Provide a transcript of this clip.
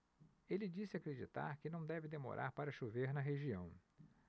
ele disse acreditar que não deve demorar para chover na região